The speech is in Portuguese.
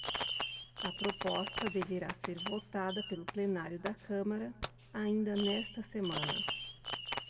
a proposta deverá ser votada pelo plenário da câmara ainda nesta semana